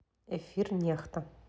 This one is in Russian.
эфир нехта